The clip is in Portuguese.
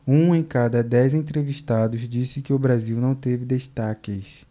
um em cada dez entrevistados disse que o brasil não teve destaques